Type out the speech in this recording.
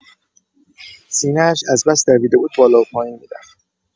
سینه‌اش از بس دویده بود بالا و پایین می‌رفت.